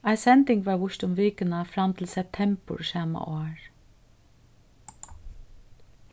ein sending varð víst um vikuna fram til septembur sama ár